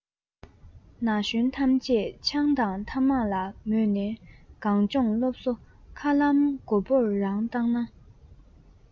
ན གཞོན ཐམས ཅན ཆང དང ཐ མག ལ མོས ནས གངས ལྗོངས སློབ གསོ མཁའ ལམ མགོ པོར རང བཏང ན